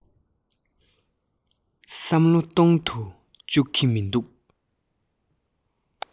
བསམ བློ གཏོང དུ བཅུག གི མི འདུག